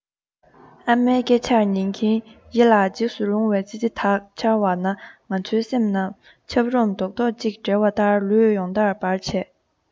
ཨ མའི སྐད ཆར ཉན གྱིན ཡིད ལ འཇིགས སུ རུང བའི ཙི ཙི དག འཆར བ ན ང ཚོའི སེམས ན ཆབ རོམ རྡོག རྡོག གཅིག འགྲིལ བ ལྟར ལུས ཡོངས འདར བར བྱས